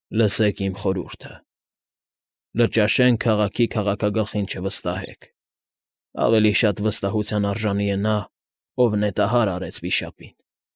Լսեք իմ խորհուրդը. Լճաշեն քաղաքի քաղաքագլխին չվստահեք, ավելի շատ վստահության արժանի է նա, ով նետահար արեց վիշապին։